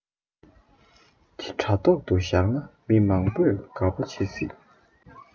འདི དྲ ཐོག དུ ཞག ན མི མང པོས དགའ པོ བྱེད སྲིས